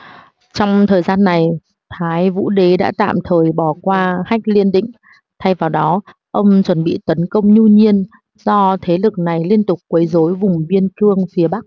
trong thời gian này thái vũ đế đã tạm thời bỏ qua hách liên định thay vào đó ông chuẩn bị tấn công nhu nhiên do thế lực này liên tục quấy rối vùng biên cương phía bắc